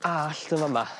allt yn fa' 'ma.